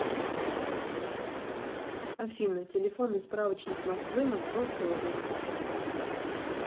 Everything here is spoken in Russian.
афина телефонный справочник москвы московской области